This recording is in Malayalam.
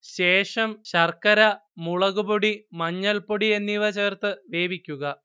ശേഷം ശർക്കര, മുളക്പൊടി മഞ്ഞൾപ്പൊടി എന്നിവ ചേർത്ത് വേവിക്കുക